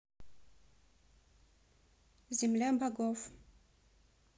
земля богов